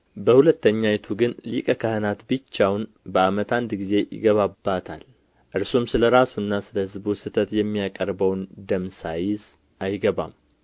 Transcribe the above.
በሁለተኛይቱ ግን ሊቀ ካህናት ብቻውን በዓመት አንድ ጊዜ ይገባባታል እርሱም ሰለ ራሱና ስለ ሕዝቡ ስሕተት የሚያቀርበውን ደም ሳይዝ አይገባም